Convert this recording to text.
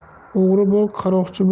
o'g'ri bo'l qaroqchi